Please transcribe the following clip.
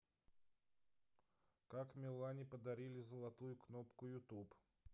как милане подарили золотую кнопку ютуб